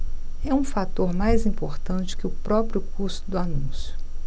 é um fator mais importante que o próprio custo do anúncio